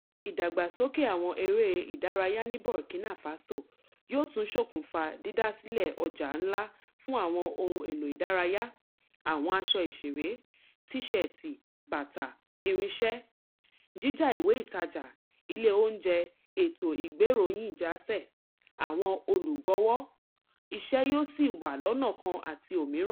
Ìdàgbàsókè àwọn eré ìdárayá ní Burkina Faso yóò tún ṣokùnfà dídásílẹ̀ ọjà ńlà fún àwọn ohun èlò ìdárayà (àwọn aṣọ ìṣeré, T- ṣẹẹ̀tì, bàtà, irinṣẹ́), jíjá ìwé ìtajà, ilé oúnjẹ, ẹ̀tọ́ ìgbéròyìnjásé, àwọn olùgbọ̀wọ́ … Iṣẹ́ yòó sì wà lọ́nà kan àti òmíràn.